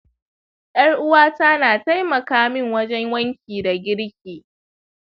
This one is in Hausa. yar uwata na taimaka min wajen wanki da girki.